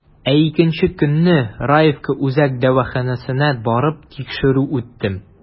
Ә икенче көнне, Раевка үзәк дәваханәсенә барып, тикшерү үттем.